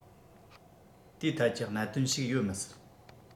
དེའི ཐད ཀྱི གནད དོན ཞིག ཡོད མི སྲིད